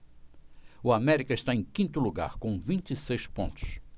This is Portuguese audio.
o américa está em quinto lugar com vinte e seis pontos